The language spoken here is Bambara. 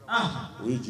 Aa o ye jigin